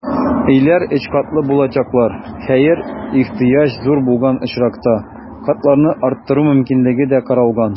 Өйләр өч катлы булачаклар, хәер, ихтыяҗ зур булган очракта, катларны арттыру мөмкинлеге дә каралган.